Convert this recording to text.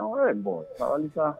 Ye bon tasa